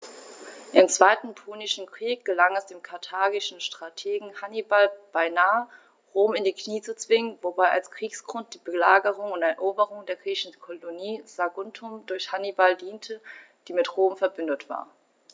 Im Zweiten Punischen Krieg gelang es dem karthagischen Strategen Hannibal beinahe, Rom in die Knie zu zwingen, wobei als Kriegsgrund die Belagerung und Eroberung der griechischen Kolonie Saguntum durch Hannibal diente, die mit Rom „verbündet“ war.